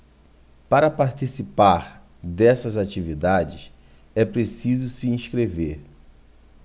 para participar dessas atividades é preciso se inscrever